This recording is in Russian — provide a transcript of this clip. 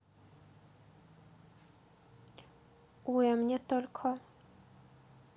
ой а мне только